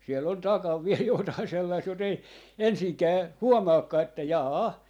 siellä on takana vielä jotakin sellaista jota ei ensinkään huomaakaan että - jaa-a